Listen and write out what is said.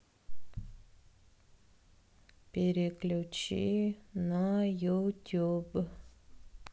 переключи на ютюб